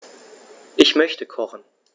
Ich möchte kochen.